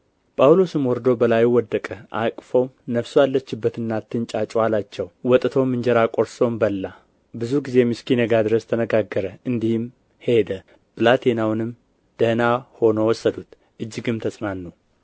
ጳውሎስም ወርዶ በላዩ ወደቀ አቅፎም ነፍሱ አለችበትና አትንጫጩ አላቸው ወጥቶም እንጀራ ቆርሶም በላ ብዙ ጊዜም እስኪነጋ ድረስ ተነጋገረ እንዲህም ሄደ ብላቴናውንም ደኅና ሆኖ ወሰዱት እጅግም ተጽናኑ